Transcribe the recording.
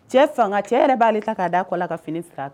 Cɛ fanga cɛ yɛrɛ bale ta ka da kɔ la ka fini siri